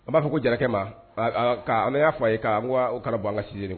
An b'a fɔ ko jara ma ala y'a fɔ a ye k' o kana bɔ an ka sise